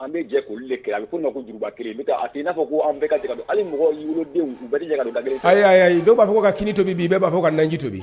An bɛ jɛ k'li a bɛ koko juruba kelen i bɛ a i'a fɔ ko ka mɔgɔdenw balijɛba kelen y'a bɛɛ b'a fɔ ka kini to b bi i b'a fɔ ka nji tobi